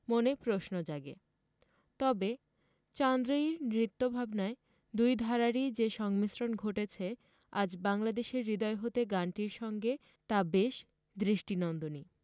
মনে প্রশ্ন জাগে তবে চান্দ্রেয়ীর নৃত্যভাবনায় দুই ধারারি যে সংমিশ্রণ ঘটেছে আজ বাংলাদেশের হৃদয় হতে গানটির সঙ্গে তা বেশ দৃষ্টিনন্দনি